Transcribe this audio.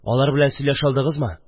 Алар белән сөйләшә алдыгызмы?